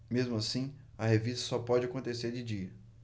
mesmo assim a revista só pode acontecer de dia